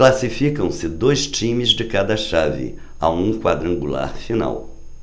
classificam-se dois times de cada chave a um quadrangular final